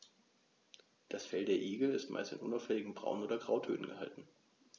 Das Fell der Igel ist meist in unauffälligen Braun- oder Grautönen gehalten.